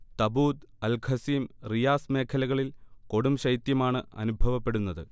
Tabuk, Al Qassim, Riyadh മേഖലകളിൽ കൊടുംശൈത്യമാണ് അനുഭവപ്പെടുന്നത്